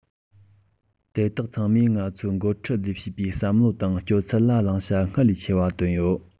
དེ དག ཚང མས ང ཚོའི འགོ ཁྲིད ལས བྱེད པའི བསམ བློ དང སྤྱོད ཚུལ ལ བླང བྱ སྔར ལས ཆེ བ བཏོན ཡོད